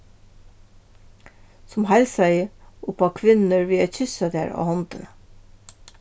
sum heilsaði upp á kvinnur við at kyssa tær á hondina